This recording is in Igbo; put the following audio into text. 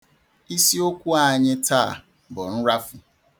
Isiokwu anyị taa bụ 'nrafu'